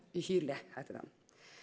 Uhyrlig heiter den.